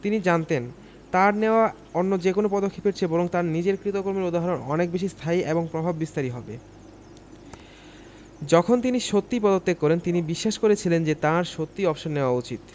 তিনি জানতেন তাঁর নেওয়া অন্য যেকোনো পদক্ষেপের চেয়ে বরং তাঁর নিজের কৃতকর্মের উদাহরণ অনেক বেশি স্থায়ী এবং প্রভাববিস্তারী হবে যখন তিনি সত্যিই পদত্যাগ করেন তিনি বিশ্বাস করেছিলেন যে তাঁর সত্যিই অবসর নেওয়া উচিত